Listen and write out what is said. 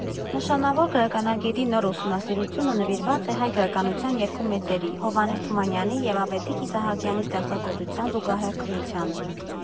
Նշանավոր գրականագետի նոր ուսումնասիրությունը նվիրված է հայ գրականության երկու մեծերի՝ Հովհաննես Թումանյանի և Ավետիք Իսահակյանի ստեղծագործության զուգահեռ քննությանը։